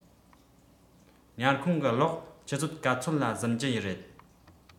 ཉལ ཁང གི གློག ཆུ ཚོད ག ཚོད ལ གཟིམ གྱི རེད